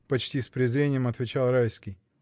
— почти с презрением отвечал Райский.